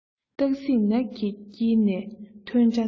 སྟག གཟིག ནགས ཀྱི དཀྱིལ ནས ཐོན འདྲ རྣམས